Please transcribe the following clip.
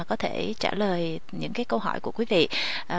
có thể trả lời những câu hỏi của quý vị